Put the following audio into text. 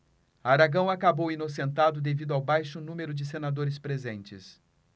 aragão acabou inocentado devido ao baixo número de senadores presentes